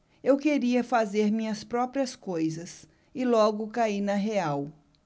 eu queria fazer minhas próprias coisas e logo caí na real